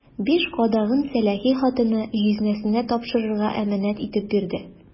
Биш кадагын сәләхи хатыны җизнәсенә тапшырырга әманәт итеп бирде.